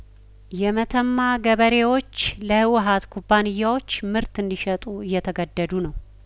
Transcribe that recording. የመተማ ገበሬዎች ለህወሀት ኩባንያዎች ምርት እንዲሸጡ እየተገደዱ ነው